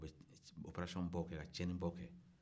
ka taa operation baw kɛ ka tiɲɛnibaw kɛ